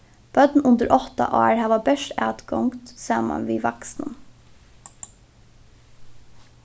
børn undir átta ár hava bert atgongd saman við vaksnum